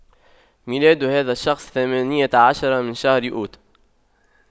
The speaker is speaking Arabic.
ميلاد هذا الشخص ثمانية عشر من شهر أوت